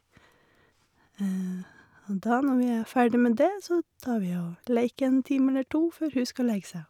Og da, når vi er ferdig med det, så tar vi og leiker en time eller to før hun skal legge seg.